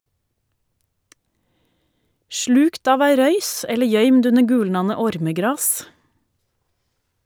Slukt av ei røys, eller gøymd under gulnande ormegras?